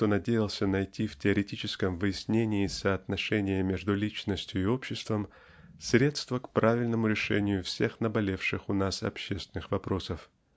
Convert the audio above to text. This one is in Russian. что надеялся найти в теоретическом выяснении соотношения между личностью и обществом средство к правильному решению всех наболевших у нас общественных вопросов.